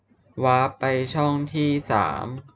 วาปไปช่องที่สาม